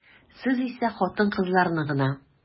Сез исә хатын-кызларны гына.